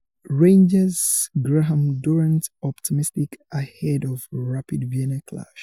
Rangers' Graham Dorrans optimistic ahead of Rapid Vienna clash